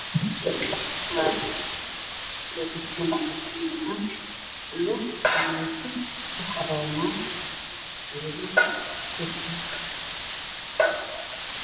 Meeshaan oo meel banaana waxaa ku yaalo guryo qadiimi ah oo guri sar oo jajaban iyo khalgo yar